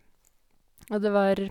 Og det var...